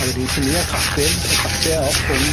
A wedyn tynnu yr capyns y capie off hwn.